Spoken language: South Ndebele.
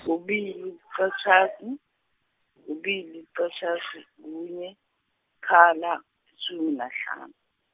kubili, liqatjhazi, kubili, liqatjhazi, kunye, sikhala, litjhumi nahlanu.